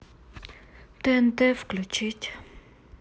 тнт включить